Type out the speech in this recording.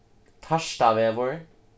tartavegur